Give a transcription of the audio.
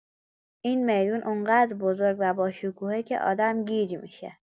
این می‌دون اونقدر بزرگ و باشکوهه که آدم گیج می‌شه.